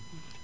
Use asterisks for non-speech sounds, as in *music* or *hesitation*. *hesitation*